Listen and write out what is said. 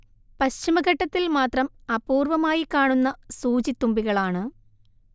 പശ്ചിമഘട്ടത്തിൽ മാത്രം അപൂർവ്വമായി കാണുന്ന സൂചിത്തുമ്പികളാണ്